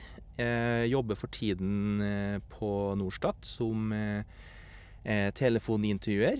Jobber for tiden på Norstat som telefonintervjuer.